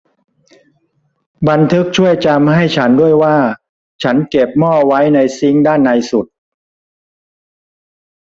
บันทึกช่วยจำให้ฉันด้วยว่าฉันเก็บหม้อไว้ในซิงค์ด้านในสุด